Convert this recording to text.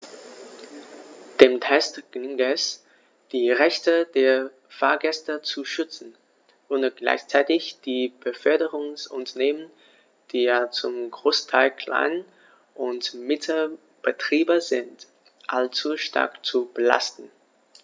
Dem Text gelingt es, die Rechte der Fahrgäste zu schützen, ohne gleichzeitig die Beförderungsunternehmen - die ja zum Großteil Klein- und Mittelbetriebe sind - allzu stark zu belasten.